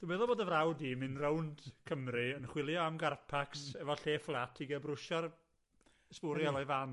Dwi'n feddwl bod y frawd di'n mynd rownd Cymru yn chwilio am garpacs efo lle fflat i ga'l brwsio'r sbwriel o'i fan.